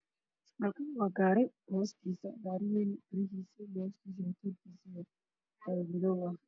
Halkaan waa gari hostisa bio weyn ayaa ku xiran